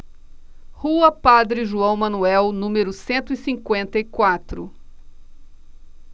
rua padre joão manuel número cento e cinquenta e quatro